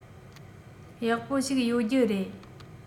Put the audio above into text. ཡག པོ ཞིག ཡོད རྒྱུ རེད